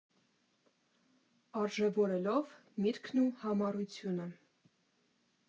Արժևորելով միտքն ու համառությունը։